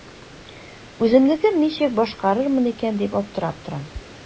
Үземнекен ничек башкарырмын икән дип аптырап торам.